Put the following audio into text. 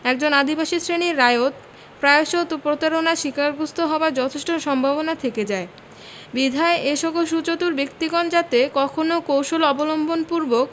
একজন আদিবাসী শ্রেণীর রায়ত প্রায়শ প্রতারণার শিক্ষারগ্রস্ত হবার যথেষ্ট সম্ভাবনা থেকে যায় বিধায় এসকল সুচতুর ব্যক্তিগণ যাতে কখনো কৌশল অবলম্বনপূর্বক